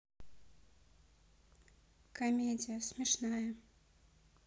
комедия смешная